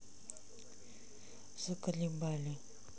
заколебали